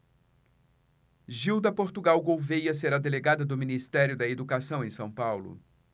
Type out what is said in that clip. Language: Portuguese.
gilda portugal gouvêa será delegada do ministério da educação em são paulo